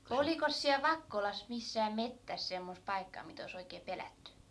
olikos siellä Vakkolassa missään metsässä semmoista paikkaa mitä olisi oikein pelätty